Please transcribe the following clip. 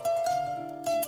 San